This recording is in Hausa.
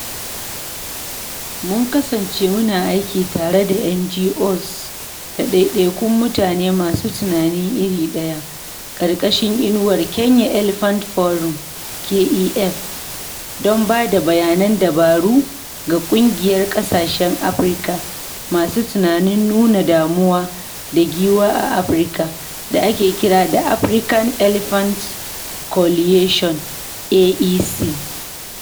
Mun kasance muna aiki tare da NGOs da ɗaiɗaikun mutane masu tunani iri ɗaya ƙarƙashin inuwar Kenya Elephant Forum (KEF), don ba da bayanan dabaru ga ƙungiyar ƙasashen Afirka masu tsananin nuna damuwa da giwa a Afirka, da ake kira da African Elephant Coalition (AEC).